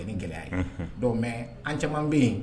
Gɛlɛya don mɛ an caman bɛ yen